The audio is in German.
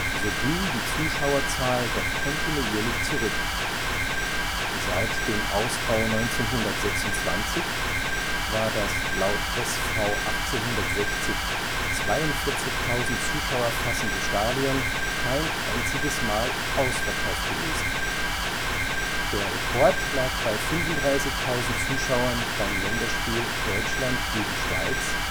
so ging die Zuschauerzahl doch kontinuierlich zurück. Seit dem Ausbau 1926 war das laut SV 1860 42.000 Zuschauer fassende Stadion kein einziges Mal ausverkauft gewesen, der Rekord lag bei 35.000 Zuschauern beim Länderspiel Deutschland – Schweiz